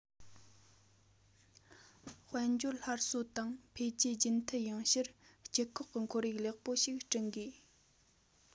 དཔལ འབྱོར སླར གསོ དང འཕེལ རྒྱས རྒྱུན མཐུད ཡོང ཕྱིར སྤྱི ཁོག གི ཁོར ཡུག ལེགས པོ ཞིག བསྐྲུན དགོས